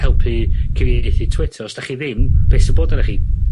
helpu cyfieithu Twitter. Os 'dach chi ddim, beth sy bod arnoch chi?